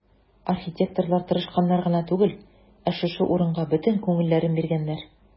Архитекторлар тырышканнар гына түгел, ә шушы урынга бөтен күңелләрен биргәннәр.